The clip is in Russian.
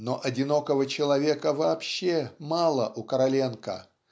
Но одинокого человека вообще мало у Короленко